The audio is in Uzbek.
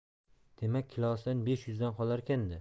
demak kilosidan besh yuzdan qolarkan da